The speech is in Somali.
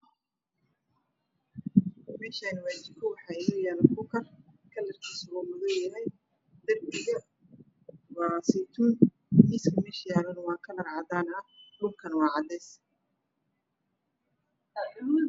Meeshaan waa jiko waxaa inoo yaalo kuukar kalarkiisu uu madow yahay darbiga waa seytuun miiska meesha yaalana waa cadaan. Dhulkana waa cadeys.